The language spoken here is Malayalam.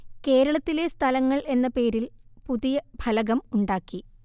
കേരളത്തിലെ സ്ഥലങ്ങള്‍ എന്ന പേരില്‍ പുതിയ ഫലകം ഉണ്ടാക്കി